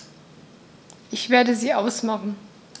Ich werde sie ausmachen.